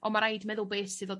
On' ma' raid meddwl beth sydd o